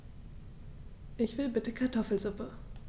Ich will bitte Kartoffelsuppe.